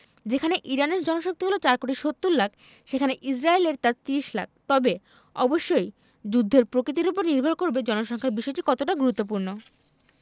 যেখানে ইরানের জনশক্তি হলো ৪ কোটি ৭০ লাখ সেখানে ইসরায়েলের তা ৩০ লাখ তবে অবশ্যই এটি যুদ্ধের প্রকৃতির ওপর নির্ভর করবে জনসংখ্যার বিষয়টি কতটা গুরুত্বপূর্ণ